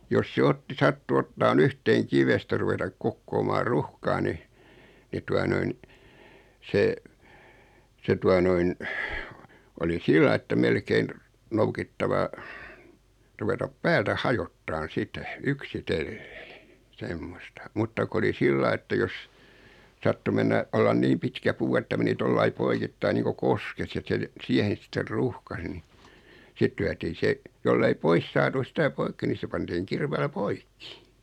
jos se otti sattui ottamaan yhteen kivestä ruveta kokoamaan ruuhkaa niin niin tuota noin se se tuota noin oli sillä lailla että melkein noukittava ruveta päältä hajottamaan sitä yksitellen semmoista mutta kun oli sillä lailla että jos sattui mennä olla niin pitkä puu että meni tuolla lailla poikittain niin kuin koskessa ja että se siihen sitten ruuhkasi niin sitten lyötiin se jos ei pois saatu sitä poikki niin se pantiin kirveellä poikki